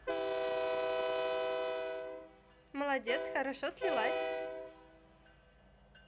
молодец хорошо слилась